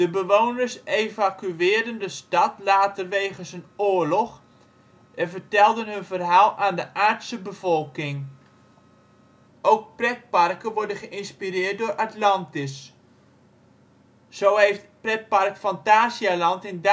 bewoners evacueerden de stad later wegens een oorlog en vertelden hun verhaal aan de Aardse bevolking. Ook pretparken worden geïnspireerd door Atlantis. Zo heeft het pretpark Phantasialand in Duitsland